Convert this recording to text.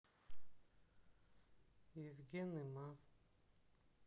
евген и ма